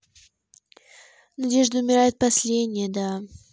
надежда умирает последняя да